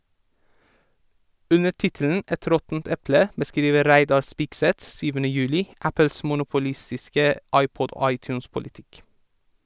Under tittelen «Et råttent eple» beskriver Reidar Spigseth 7. juli Apples monopolistiske iPod- og iTunes-politikk.